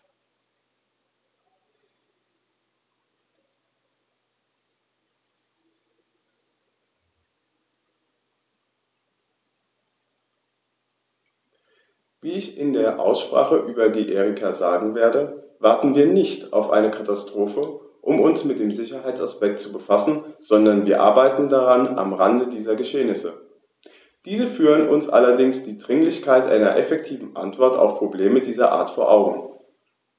Wie ich in der Aussprache über die Erika sagen werde, warten wir nicht auf eine Katastrophe, um uns mit dem Sicherheitsaspekt zu befassen, sondern wir arbeiten daran am Rande dieser Geschehnisse. Diese führen uns allerdings die Dringlichkeit einer effektiven Antwort auf Probleme dieser Art vor Augen.